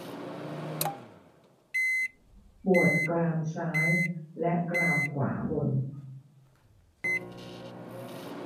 ปวดกรามซ้ายและกรามขวาบน